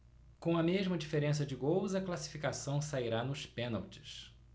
com a mesma diferença de gols a classificação sairá nos pênaltis